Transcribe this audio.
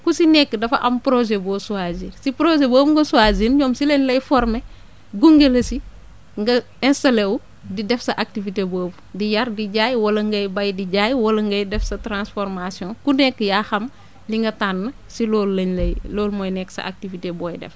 ku si nekk dafa am projet boo choisir si projet boobu nga choisir ñoom si lañ lay former gunge la si nga installé wu di def sa activité boobu di yar di jaay wala ngay béy di jaay wala ngay def sa transformation ku nekk yaa xam li nga tànn si loolu lañ lay loolu mooy nekk sa activité booy def